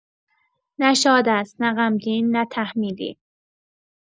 نه شاد است، نه غمگین، نه تحمیلی.